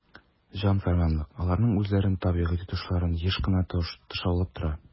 "җан-фәрманлык" аларның үзләрен табигый тотышларын еш кына тышаулап тора.